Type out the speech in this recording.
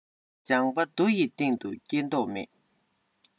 ལྗང པ རྡོ ཡི སྟེང དུ སྐྱེ མདོག མེད